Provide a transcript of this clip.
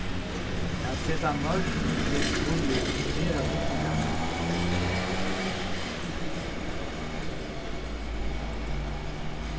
at seta mørk er til tíðir sera týdningarmikið